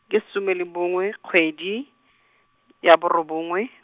ke some le bongwe kgwedi, ya borobongwe.